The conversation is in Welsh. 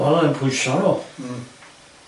Wel o'ddo'n pwysgo n'w...Hmm...